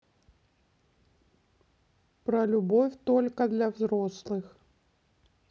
про любовь только для взрослых